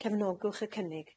Cefnogwch y cynnig.